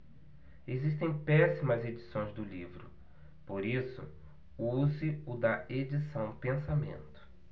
existem péssimas edições do livro por isso use o da edição pensamento